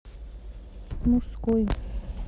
мужской